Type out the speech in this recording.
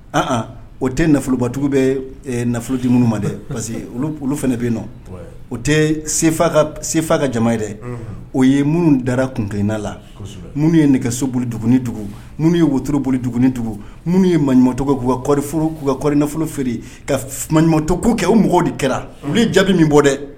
A o tɛ nafolobadugu bɛ nafolo di minnu ma dɛ parce que olu fana bɛ yen nɔ o tɛfa senfa ka jama ye dɛ o ye minnu dara kunina la nu ye nɛgɛsoolidugundugu nu ye woturuoliugundugu nu ye manɲumanumatɔ buguu kɔɔrifu kaɔri nafolo feere ka maɲumanumatɔ kɛ o mɔgɔw de kɛra olu ye jaabi min bɔ dɛ